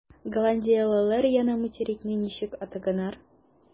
Голландиялеләр яңа материкны ничек атаганнар?